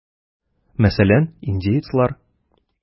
Мәсәлән, индеецлар.